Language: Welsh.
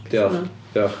Diolch, diolch.